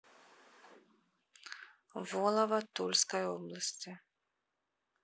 волово тульской области